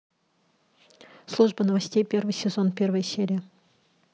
служба новостей первый сезон первая серия